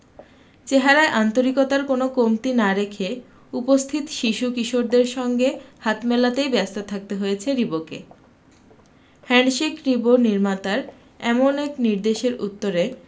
চেহারায় আন্তরিকতার কোনো কমতি না রেখে উপস্থিত শিশু কিশোরদের সঙ্গে হাত মেলাতেই ব্যস্ত থাকতে হয়েছে রিবোকে হ্যান্ডশেক রিবো নির্মাতার এমন নির্দেশের উত্তরে